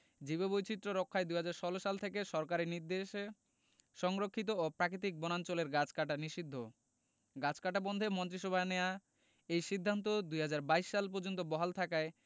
জীববৈচিত্র্য রক্ষায় ২০১৬ সাল থেকে সরকারি নির্দেশে সংরক্ষিত ও প্রাকৃতিক বনাঞ্চলের গাছ কাটা নিষিদ্ধ গাছ কাটা বন্ধে মন্ত্রিসভায় নেয়া এই সিদ্ধান্ত ২০২২ সাল পর্যন্ত বহাল থাকায়